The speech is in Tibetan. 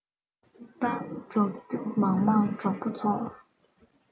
གཏམ སྒྲོག རྒྱུ མ མང གྲོགས པོ ཚོ